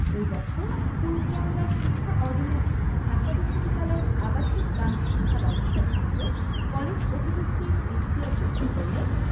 ওই বছর পূর্ববাংলার শিক্ষা অর্ডিন্যান্স ঢাকা বিশ্ববিদ্যালয়ের আবাসিক কাম শিক্ষা ব্যবস্থার সঙ্গে কলেজ অধিভুক্তির এখতিয়ার যুক্ত করলে